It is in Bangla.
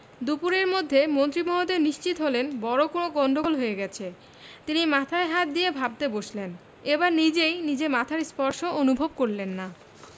দুপুরের মধ্যে মন্ত্রী মহোদয় নিশ্চিত হলেন বড় কোনো গন্ডগোল হয়ে গেছে তিনি মাথায় হাত দিয়ে ভাবতে বসলেন এবার নিজেই নিজের মাথার স্পর্শ অনুভব করলেন না